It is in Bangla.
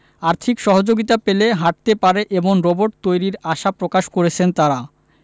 আর্থিক সহযোগিতা পেলে হাটতে পারে এমন রোবট তৈরির আশা প্রকাশ করেছেন তারা